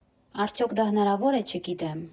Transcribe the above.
Արդյոք դա հնարավոր է, չգիտեմ…